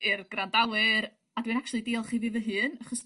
i'r grandawyr a dwyn actually diolch i fi fy hun achos...